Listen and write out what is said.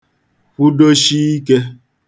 kwụdoshi ikē